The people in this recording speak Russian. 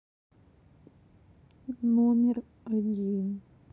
номер один